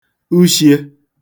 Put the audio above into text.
ushiē